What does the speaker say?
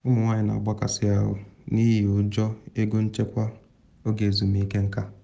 Ụmụ nwanyị na agbakasị ahụ n’ihi ụjọ ego nchekwa oge ezumike nka